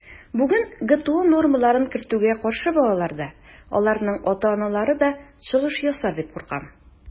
Бүген ГТО нормаларын кертүгә каршы балалар да, аларның ата-аналары да чыгыш ясар дип куркам.